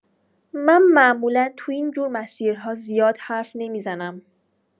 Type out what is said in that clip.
من معمولا تو این جور مسیرها زیاد حرف نمی‌زنم.